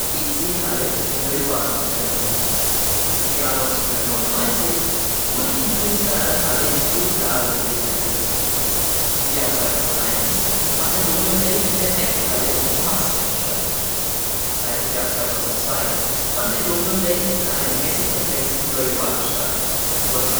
FEC-Halle in Leeuwarden unternommen. Im Jahr 1999 wurde in die Prinds-Bernhard-Halle in Zuidlaren gewechselt. Im Jahr 2001 fand der Domino Day in der Mecc-Halle in Maastricht statt. Seit dem Jahr 2002 fand der Domino Day in einem Messekomplex in Leeuwarden statt (World